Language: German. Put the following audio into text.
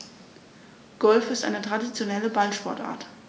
Golf ist eine traditionelle Ballsportart.